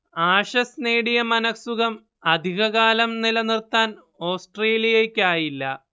Ashes നേടിയ മനഃസുഖം അധിക കാലം നിലനിർത്താൻ ഓസ്ട്രേലിയയ്ക്കായില്ല